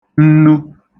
nnu